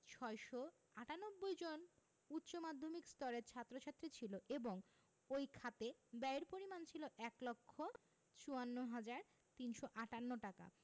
৬৯৮ জন উচ্চ মাধ্যমিক স্তরের ছাত্র ছাত্রী ছিল এবং ওই খাতে ব্যয়ের পরিমাণ ছিল ১ লক্ষ ৫৪ হাজার ৩৫৮ টাকা